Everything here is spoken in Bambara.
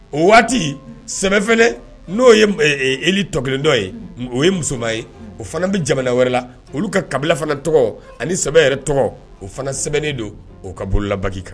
O waati sɛbɛf n'o yeeli tɔ kelen dɔ ye o ye musoman ye o fana bɛ jamana wɛrɛ la olu ka kabilafana tɔgɔ ani sɛbɛ yɛrɛ tɔgɔ o fana sɛbɛnnen don o ka bololabaki kan